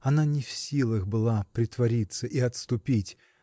– она не в силах была притвориться и отступить